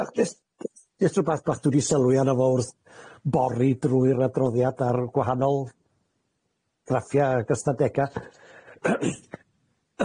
Diolch jyst jyst rwbath bach dwi di sylwi arno fo wrth bori drwy'r adroddiad ar gwahanol graffia ag ystadega.